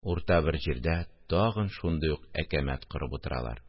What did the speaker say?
Урта бер җирдә тагын шундый ук әкәмәт корып утыралар